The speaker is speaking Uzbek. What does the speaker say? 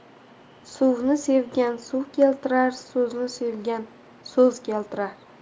suvni sevgan suv keltirar so'zni sevgan so'z keltirar